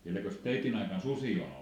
vieläkös teidän aikana susia on ollut